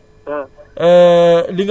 alors nee na